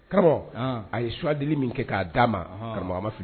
Karamɔgɔ a ye suwad min kɛ k'a d dia ma karamɔgɔ ma fili